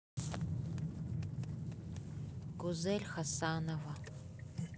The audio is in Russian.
гузель хасанова